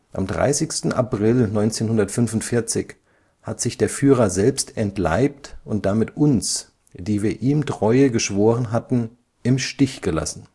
Am 30. April 45 hat sich der Führer selbst entleibt und damit uns, die wir ihm Treue geschworen hatten, im Stich gelassen